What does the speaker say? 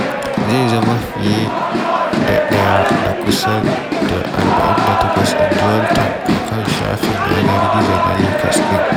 "Zai zama fiye da daya da kusa da 48" inji Walton a kan shafin yanar gizo na Lakers din.